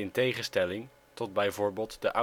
tegenstelling tot bijvoorbeeld de